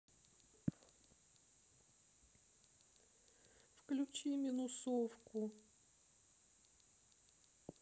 включи минусовку